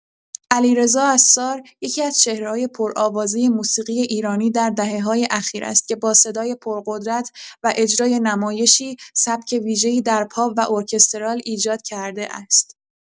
علیرضا عصار یکی‌از چهره‌های پرآوازه موسیقی ایرانی در دهه‌های اخیر است که با صدای پرقدرت و اجرای نمایشی، سبک ویژه‌ای در پاپ و ارکسترال ایجاد کرده است.